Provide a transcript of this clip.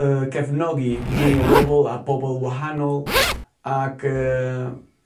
yy cefnogi mwy o bobol a pobol wahanol ag yy